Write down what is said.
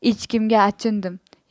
echkimga achindim